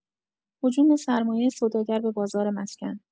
هجوم سرمایه سوداگر به بازار مسکن